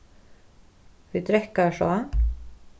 við drekkarsá